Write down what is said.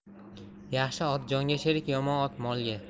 yaxshi ot jonga sherik yomon ot molga